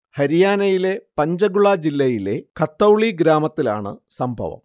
ഹരിയാനയിലെ പഞ്ചഗുള ജില്ലയിലെ ഖത്തൗളി ഗ്രാമത്തിലാണ് സംഭവം